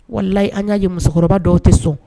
Wala an y'a ye musokɔrɔba dɔw tɛ sɔn